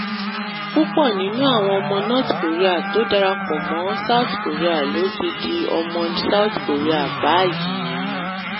Púpọ̀ nínú àwọn ọmọ North Korea tó darapọ̀ mọ́ South Korea ló ti di ọmọ South Korea báyìí.